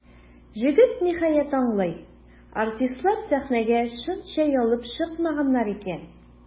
Җегет, ниһаять, аңлый: артистлар сәхнәгә чын чәй алып чыкмаганнар икән.